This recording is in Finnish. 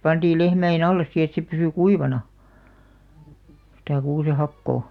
pantiin lehmien alle sitten että se pysyi kuivana sitä kuusenhakoa